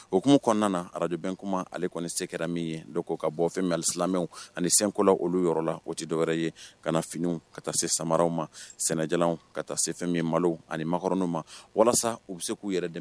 Oumu kɔnɔna na aradubɛn kuma ale kɔni sekɛrɛn min ye dɔw'o ka bɔ fɛn silamɛw ani senkolaw olu yɔrɔ la o tɛ dɔwɛrɛ ye ka finiiniw ka taa se samaraw ma sɛnɛja ka taa se fɛn min malo ani makɔrɔnw ma walasa u bɛ se k'u yɛrɛ dɛmɛ